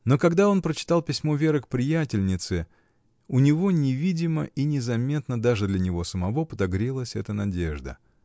Но когда он прочитал письмо Веры к приятельнице, у него, невидимо и незаметно даже для него самого, подогрелась эта надежда.